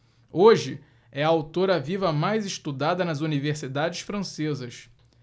hoje é a autora viva mais estudada nas universidades francesas